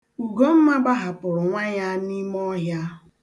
Ugomma gbahapụrụ nwa ya n'ime ọhịa.